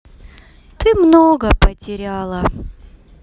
ты много потеряла